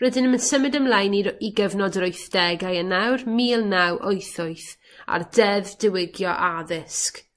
Rydym yn symud ymlaen i ro- i gyfnod yr wythdegau yn nawr, mil naw wyth wyth ar Deddf Diwygio Addysg.